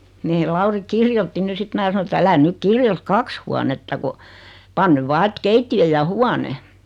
meidän Lauri kirjoitti nyt sitten minä sanoin että älä nyt kirjoita kaksi huonetta kun pane nyt vain että keittiö ja huone